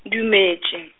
dumetše.